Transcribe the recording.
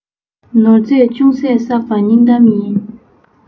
ནོར རྫས ཅུང ཟད བསགས པ སྙིང གཏམ ཡིན